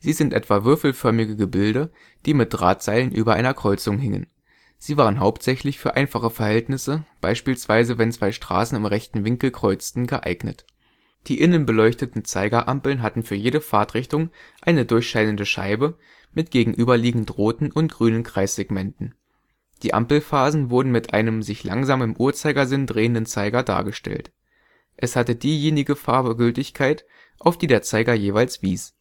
sind etwa würfelförmige Gebilde, die mit Drahtseilen über einer Kreuzung hingen. Sie waren hauptsächlich für einfache Verhältnisse, beispielsweise wenn zwei Straßen im rechten Winkel kreuzten, geeignet. Die innenbeleuchteten Zeigerampeln hatten für jede Fahrtrichtung eine durchscheinende Scheibe mit gegenüberliegend roten und grünen Kreissegmenten. Die Ampelphasen wurden mit einem sich langsam im Uhrzeigersinn drehenden Zeiger dargestellt. Es hatte diejenige Farbe Gültigkeit, auf die der Zeiger jeweils wies